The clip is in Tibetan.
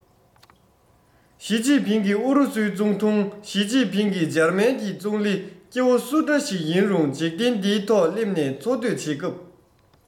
ཞི ཅིན ཕིང གིས ཨུ རུ སུའི ཙུང ཐུང ཞི ཅིན ཕིང གིས འཇར མན གྱི ཙུང ལི སྐྱེ བོ སུ འདྲ ཞིག ཡིན རུང འཇིག རྟེན འདིའི ཐོག སླེབས ནས འཚོ སྡོད བྱེད སྐབས